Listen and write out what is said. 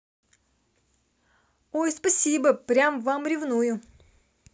ой спасибо прям вам ревную